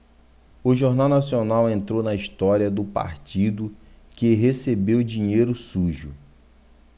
o jornal nacional entrou na história do partido que recebeu dinheiro sujo